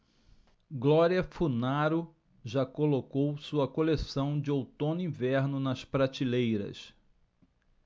glória funaro já colocou sua coleção de outono-inverno nas prateleiras